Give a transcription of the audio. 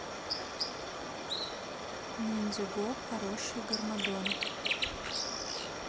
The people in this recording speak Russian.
ниндзяго хороший гармадон